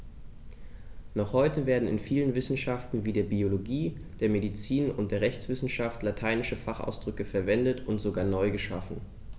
Noch heute werden in vielen Wissenschaften wie der Biologie, der Medizin und der Rechtswissenschaft lateinische Fachausdrücke verwendet und sogar neu geschaffen.